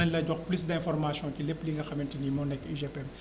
nañ kla jox plus d' information ci lépp li nga xamante ni moo nekk UGPM